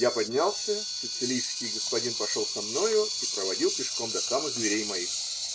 я поднялся, сицилийский господин пошел со мною и проводил пешком до самых дверей моих